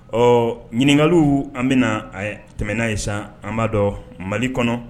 Ɔ ɲininkaka an bɛna na a tɛmɛnɛna ye san an b'a dɔn mali kɔnɔ